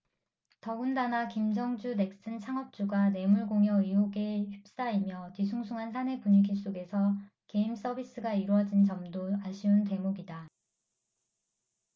더군다나 김정주 넥슨 창업주가 뇌물 공여 의혹에 휩싸이며 뒤숭숭한 사내 분위기 속에서 게임 서비스가 이뤄진 점도 아쉬운 대목이다